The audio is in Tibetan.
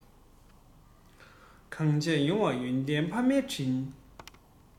གང བྱས ཡོང བའི ཡོན ཏན ཕ མའི དྲིན